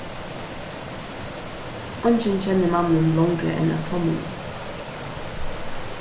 eingin kennir mannin longri enn at tonnunum